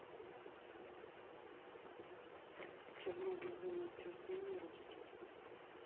чернобыль зона отчуждения русский